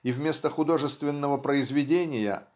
и вместо художественного произведения